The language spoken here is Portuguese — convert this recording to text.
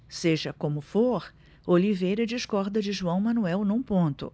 seja como for oliveira discorda de joão manuel num ponto